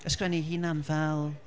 sgwennu ei hunan fel...